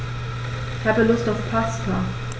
Ich habe Lust auf Pasta.